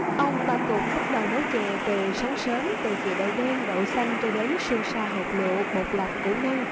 ông ba cụt bắt đầu nấu chè từ sáng sớm từ chè đậu đen đậu xanh cho đến sương sa hột lựu bột lọc củ năng